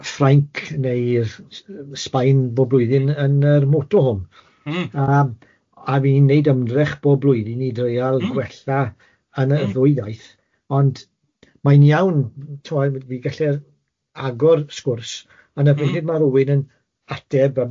Ffrainc neu'r S- yy Sbaen bob blwyddyn yn yr Motorhome... Mm. ...a a fi'n neud ymdrech bob blwyddyn i... Mm. ...dreial gwella yn y ddwy iaith ond mae'n iawn tibod fi'n gallu agor sgwrs on y funud ma' rywun yn ateb a